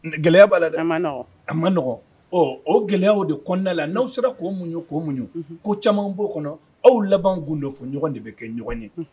Gɛlɛya b'a la man a man n nɔgɔɔgɔ o gɛlɛyaw de kɔnda la n'aw sera' mun ye ko minnuɲ ye ko caman b'o kɔnɔ aw laban kun de fɔ ɲɔgɔn de bɛ kɛ ɲɔgɔn ye